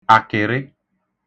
àkị̀rị